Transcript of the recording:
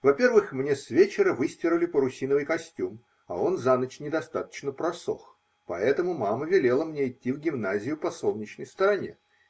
Во-первых, мне с вечера выстирали парусиновый костюм, а он за ночь недостаточно просох, поэтому мама велела мне идти в гимназию по солнечной стороне